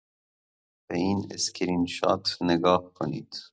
به این اسکرین‌شات نگاه کنید.